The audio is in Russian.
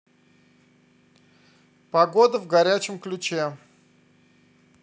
погода в горячем ключе